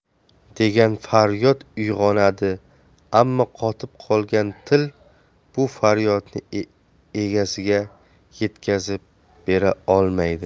degan faryod uyg'onadi ammo qotib qolgan til bu faryodni egasiga yetkazib bera olmaydi